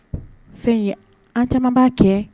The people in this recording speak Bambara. Fɛn an adamaba kɛ